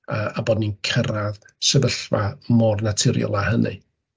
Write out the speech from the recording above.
Yy a bod ni'n cyrraedd sefyllfa mor naturiol â hynny.